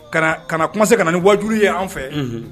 Ka kana na kuma se ka na nin waj ye an fɛ